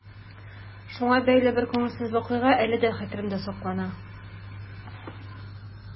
Шуңа бәйле бер күңелсез вакыйга әле дә хәтеремдә саклана.